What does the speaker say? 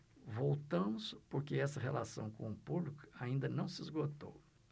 voltamos porque essa relação com o público ainda não se esgotou